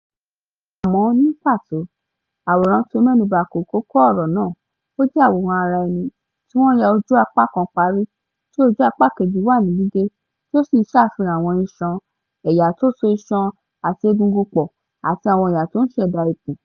Àmọ́, ní pàtó, àwòrán to mẹ́nuba kò kókó ọ̀rọ̀ náà: Ó jẹ́ àwòrán ara ẹni tí wọn ò ya ojú apá kan parí, tí ojú apá kejì wà ní gígé, tí ó sì ń ṣàfihan àwọn iṣan, ẹ̀yà tó so iṣan àti egungun pọ̀ àti àwọn ẹ̀yà tó ń ṣẹ̀dá ikun.